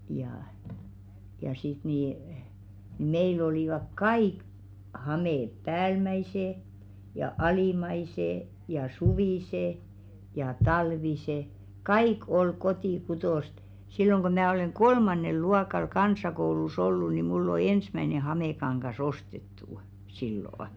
ja ja sitten niin meillä olivat kaikki hameet päällimmäiset ja alimmaiset ja suviset ja talviset kaikki oli kotikutoista silloin kun minä olen kolmannella luokalla kansakoulussa ollut niin minulle on ensimmäinen hamekangas ostettu silloin